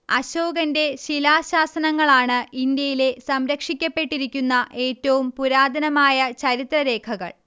അശോകന്റെ ശിലാശാസനങ്ങളാണ് ഇന്ത്യയിലെ സംരക്ഷിക്കപ്പെട്ടിരിക്കുന്ന ഏറ്റവും പുരാതനമായ ചരിത്രരേഖകൾ